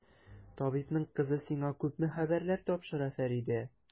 Табибның кызы сиңа күпме хәбәрләр тапшыра, Фәридә!